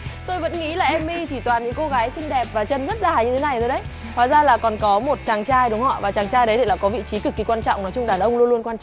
tôi vẫn nghĩ là ê my chỉ toàn những cô gái xinh đẹp và chân rất dài như thế này thôi đấy hóa ra là còn có một chàng trai đúng không ạ và chàng trai đấy thì lại có vị trí cực kỳ quan trọng nói chung đàn ông luôn luôn quan